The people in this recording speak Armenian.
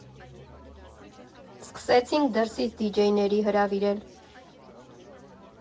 Սկսեցինք դրսից դիջեյների հրավիրել.